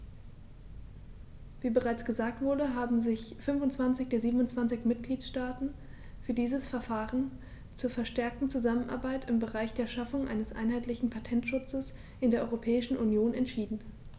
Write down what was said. Wie bereits gesagt wurde, haben sich 25 der 27 Mitgliedstaaten für dieses Verfahren zur verstärkten Zusammenarbeit im Bereich der Schaffung eines einheitlichen Patentschutzes in der Europäischen Union entschieden.